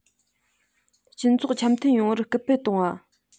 སྤྱི ཚོགས འཆམ མཐུན ཡོང བར སྐུལ སྤེལ གཏོང བ